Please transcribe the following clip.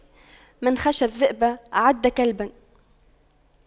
من خشى الذئب أعد كلبا